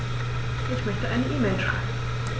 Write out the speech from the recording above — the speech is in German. Ich möchte eine E-Mail schreiben.